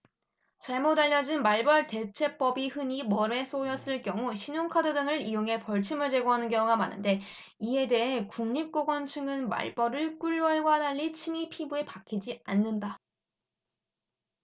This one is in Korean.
잘못 알려진 말벌 대처법흔히 벌에 쏘였을 경우 신용카드 등을 이용해 벌침을 제거하는 경우가 많은데 이에 대해 국립공원 측은 말벌은 꿀벌과 달리 침이 피부에 박히지 않는다